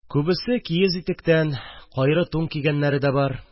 Күбесе киез итектән, кайры тун кигәннәре дә бар